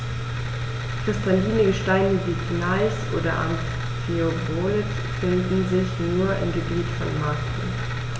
Kristalline Gesteine wie Gneis oder Amphibolit finden sich nur im Gebiet von Macun.